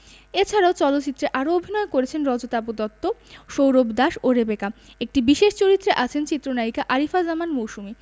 এছাড়াও চলচ্চিত্রে আরও অভিনয় করেছেন রজতাভ দত্ত সৌরভ দাস ও রেবেকা একটি বিশেষ চরিত্রে আছেন চিত্রনায়িকা আরিফা জামান মৌসুমী